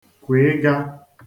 kwàịga